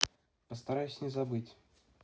постараюсь не забыть